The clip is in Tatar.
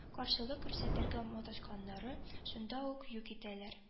Каршылык күрсәтергә маташканнары шунда ук юк ителәләр